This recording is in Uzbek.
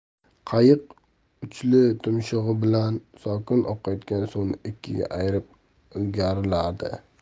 qayiq uchli tumshug'i bilan sokin oqayotgan suvni ikkiga ayirib ilgariladi